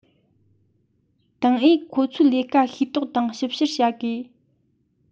ཏང ཨུས ཁོ ཚོའི ལས ཀ ཤེས རྟོགས དང ཞིབ བཤེར བྱ དགོས